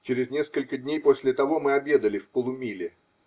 Через несколько дней после того мы обедали в "Полумиле".